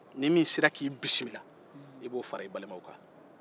ni min sera k'i bisimila i b'o fara i balimaw kan